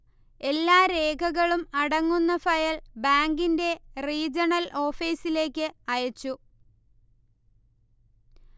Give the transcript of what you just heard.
എല്ലാരേഖകളും അടങ്ങുന്ന ഫയൽ ബാങ്കിന്റെ റീജണൽ ഓഫീസിലേക്ക് അയച്ചു